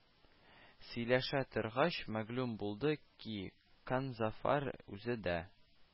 Сөйләшә торгач, мәгълүм булды ки, Канзафар үзе дә